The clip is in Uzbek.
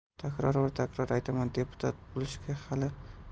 takror va takror aytaman deputat